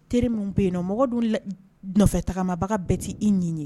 Teri mun bɛ yenninɔ mɔgɔ dun nɔfɛ tagamabaga bɛɛ tɛ i ɲi ye.